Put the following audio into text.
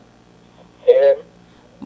jaam hiiri